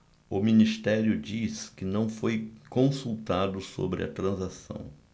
o ministério diz que não foi consultado sobre a transação